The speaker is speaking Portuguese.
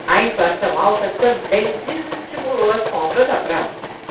a inflação alta também desestimulou as compras a prazo